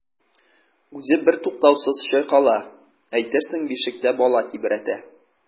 Үзе бертуктаусыз чайкала, әйтерсең бишектә бала тибрәтә.